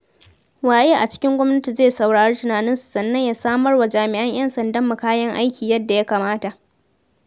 Waye a cikin gwamnati zai saurari tunaninsu sannan ya samar wa jami'an 'yan sandanmu kayan aiki yadda ya kamata?